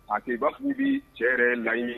Pabafubi cɛ yɛrɛ la ye